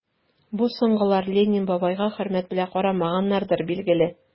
Бу соңгылар Ленин бабайга хөрмәт белән карамаганнардыр, билгеле...